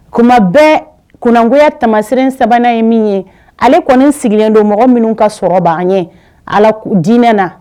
Tuma bɛ kungoya tamasiren sabanan ye min ye ale kɔni sigilen don mɔgɔ minnu ka sɔrɔ b' an ye ala dinɛ na